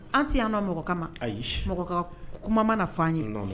An tɛ' nɔ mɔgɔ ka ma ayi kuma mana na fɔ ɲini nɔ nɔfɛ